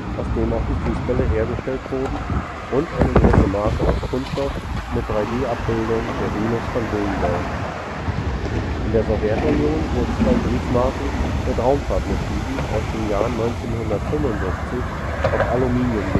aus dem auch die Fußbälle hergestellt wurden und eine große Marke aus Kunststoff mit 3-D-Abbildung der Venus von Willendorf. In der Sowjetunion wurden zwei Briefmarken mit Raumfahrtmotiven aus dem Jahr 1965 auf Aluminium